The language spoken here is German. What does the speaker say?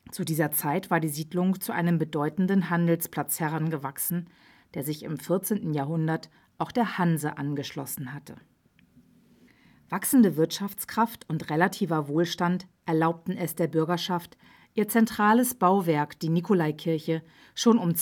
Zu dieser Zeit war die Siedlung zu einem bedeutenden Handelsplatz herangewachsen, der sich im 14. Jahrhundert auch der Hanse angeschlossen hatte. Wachsende Wirtschaftskraft und relativer Wohlstand erlaubten es der Bürgerschaft, ihr zentrales Bauwerk, die Nikolaikirche, schon